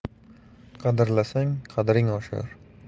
qadrlasang qadring oshar